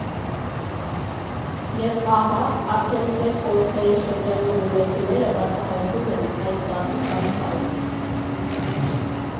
Եվ ահա, արդեն հետխորհրդային շրջանի գյումրեցիները բացահայտում են այդ ծածուկ աշխարհը։